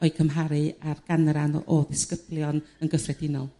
o'u cymharu a'r ganran o ddisgyblion yn gyffredinol.